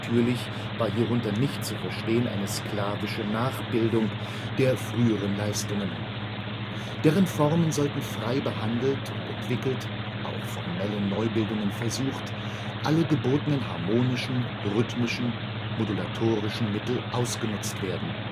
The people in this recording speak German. Natürlich war hierunter nicht zu verstehen eine sklavische Nachbildung der früheren Leistungen. Deren Formen sollten frei behandelt und entwickelt, auch formelle Neubildungen versucht, alle gebotenen harmonischen, rhythmischen, modulatorischen Mittel ausgenutzt werden